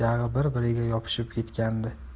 jag'i bir biriga yopishib ketgan